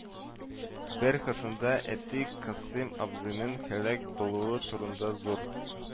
Бер хатында әти Касыйм абзыйның һәлак булуы турында зур